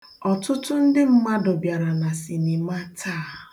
Ọtụtụ ndị mmadụ bịara na sinima taa